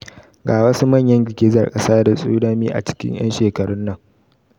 Ga wasu manyan girgizar ƙasa da tsunami a cikin 'yan shekarun nan: